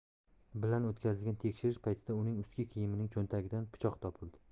bilan o'tkazilgan tekshirish paytida uning ustki kiyimining cho'ntagidan pichoq topildi